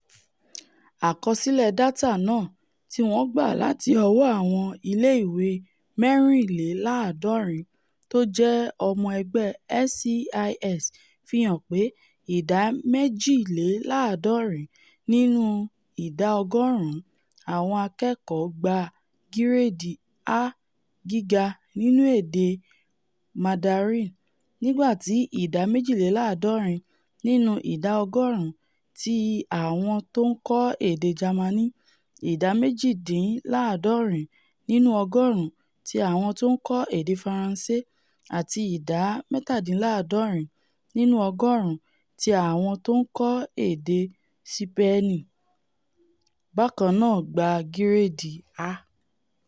Àkọsilẹ̀ dátà náà, tíwọ́n gbà láti ọwọ́ àwọn ilé ìwé mẹ́rìnléláàádọ́rin tójẹ́ ọmọ ẹgbẹ́ SCIS fihàn pé ìdá méjìléláàádọ́rin nínú ìdá ọgọ́ọ̀rún àwọn akẹ́kọ̀ọ́ gba giredi A Giga nínú èdè Mandarin, nígbà tí ìdá méjìléláàádọ́rin nínú ìdá ọgọ́ọ̀rún ti àwọn tó ńkọ́ èdè Jamani, ìdá mọ́kàndínláàádọ́rin nínú ọgọ́ọ̀rún ti àwọn tó ńkọ́ èdè Faranṣe, àti ìdá mẹ́tàdínláàádọ́rin nínú ọgọ́ọ̀rún ti àwọn tó ńkọ́ èdè Sipeeni bákannáà gba giredi A.